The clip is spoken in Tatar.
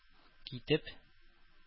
Китеп